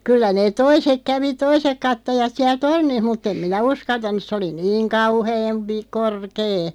kyllä ne toiset kävi toiset katsojat siellä tornissa mutta en minä uskaltanut se oli niin kauhean - korkea